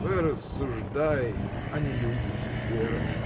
— Вы рассуждаете, а не любите, Вера!